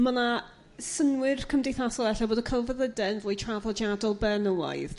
Ma' 'na synnwyr cymdeithasol e'lle fod y celfyddyde yn fwy traddodiadol benywaidd